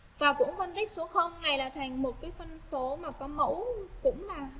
phân tích số ngày là thành số mà có mẫu cũng là